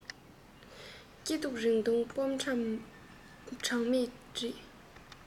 སྐྱིད སྡུག རིང ཐུང སྦོམ ཕྲ གྲངས མེད རེད